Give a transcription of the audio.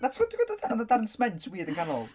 Na ti'n gwybod oedd 'na darn sment weird yn y canol?